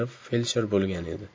feldsher bo'lgan edi